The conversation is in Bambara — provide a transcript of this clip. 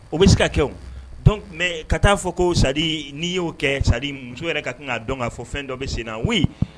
O be se ka kɛ o donc mais ka taa fɔ ko c'est à dire n'i y'o kɛ c'est à dire muso yɛrɛ ka kan ŋ'a dɔn ŋ'a fɔ fɛn dɔ be senna oui